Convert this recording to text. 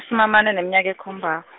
am amane neminyaka ekhomba .